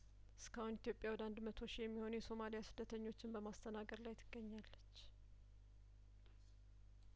እስካሁን ኢትዮጵያ ወደ አንድ መቶ ሺ የሚሆኑ የሶማሊያ ስደተኞችን በማስተናገድ ላይትገኛለች